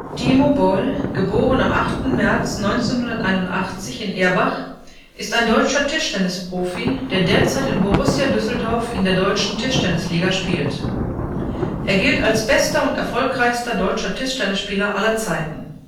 Timo Boll (* 8. März 1981 in Erbach) ist ein deutscher Tischtennisprofi, der derzeit mit Borussia Düsseldorf in der Deutschen Tischtennis-Liga spielt. Er gilt als bester und erfolgreichster deutscher Tischtennisspieler aller Zeiten